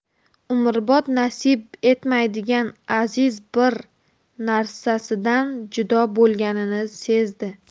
umrbod nasib etmaydigan aziz bir narsasidan judo bolganini sezdi